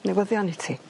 newyddion i ti